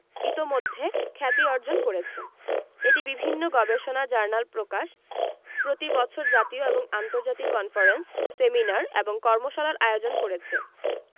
ইতোমধ্যে খ্যাতি অর্জন করেছে এটি বিভিন্ন গবেষণা জার্নাল প্রকাশ প্রতি বছর জাতীয় এবং আন্তর্জাতিক কনফারেন্স সেমিনার এবং কর্মশালার আয়োজন করেছে